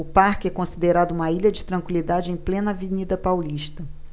o parque é considerado uma ilha de tranquilidade em plena avenida paulista